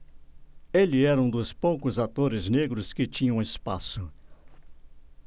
ele era um dos poucos atores negros que tinham espaço